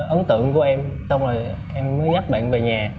ấn tượng của em xong rồi em mới dắt bạn về nhà